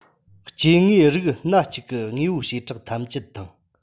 སྐྱེ དངོས རིགས སྣ གཅིག གི དངོས པོའི བྱེ བྲག ཐམས ཅད དང